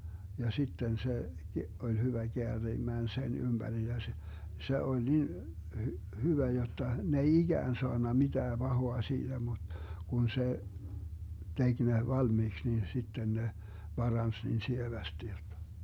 ja sitten se oli hyvä käärimään sen ympäri ja se se oli niin - hyvä jotta ne ei ikään saanut mitään pahaa siitä mutta kun se teki ne valmiiksi niin sitten ne paransi niin sievästi jotta